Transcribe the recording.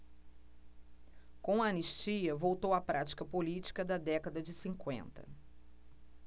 com a anistia voltou a prática política da década de cinquenta